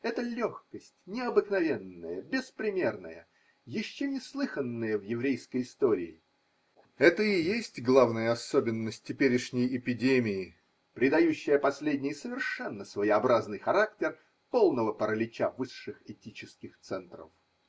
Эта легкость, необыкновенная, беспримерная, еще неслыханная в еврейской истории – это и есть главная особенность теперешней эпидемии, придающая последней совершенно своеобразный характер полного паралича высших этических центров.